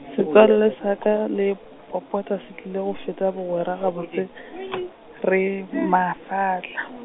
setswalle sa ka le Popota se tiile go feta bogwera gabotse , re mafahla.